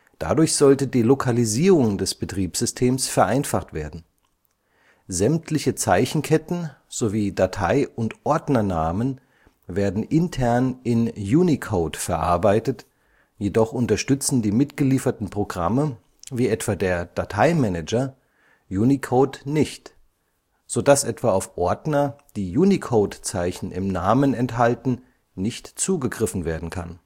Dadurch sollte die Lokalisierung des Betriebssystems vereinfacht werden. Sämtliche Zeichenketten sowie Datei - und Ordnernamen werden intern in Unicode verarbeitet, jedoch unterstützen die mitgelieferten Programme, wie etwa der Datei-Manager, Unicode nicht, sodass etwa auf Ordner, die Unicode-Zeichen im Namen enthalten, nicht zugegriffen werden kann